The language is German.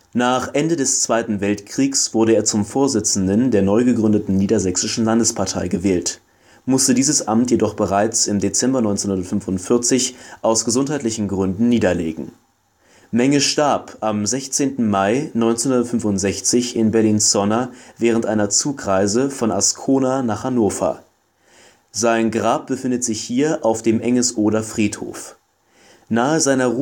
Nach Ende des Zweiten Weltkriegs wurde er zum Vorsitzenden der neu gegründeten Niedersächsischen Landespartei gewählt, musste dieses Amt jedoch bereits im Dezember 1945 aus gesundheitlichen Gründen niederlegen. Menge starb am 16. Mai 1965 in Bellinzona während einer Zugreise von Ascona nach Hannover. Sein Grab befindet sich hier auf dem Engesohder Friedhof. Nahe seiner